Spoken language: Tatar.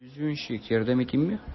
Зюзюнчик, ярдәм итимме?